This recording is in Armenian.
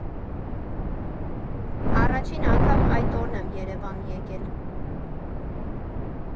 Առաջին անգամ այդ օրն եմ Երևան եկել։